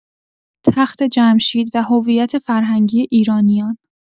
تخت‌جمشید و هویت فرهنگی ایرانیان